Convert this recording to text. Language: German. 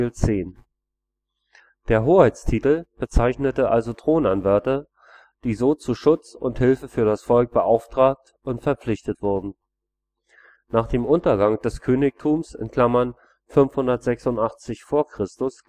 10). Der Hoheitstitel bezeichnete also Thronanwärter, die so zu Schutz und Hilfe für das Volk beauftragt und verpflichtet wurden. Nach dem Untergang des Königtums (586 v. Chr.